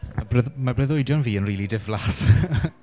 Ma' breudd- breuddwydion fi yn rili diflas .